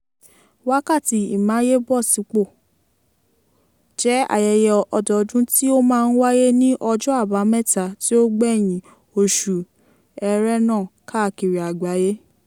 Wákàtí Ìmáyébọ̀sípò jẹ́ ayẹyẹ ọdọọdún tí ó máa ń wáyé ní ọjọ́ Àbámẹ́ta tí ó gbẹ̀yìn oṣù Ẹrẹ́nà, káàkiri àgbáyé.